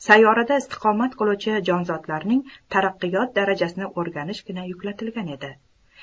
sayyorada istiqomat qiluvchi jonzotlarning taraqqiyot darajasini o'rganishgina yuklangan edi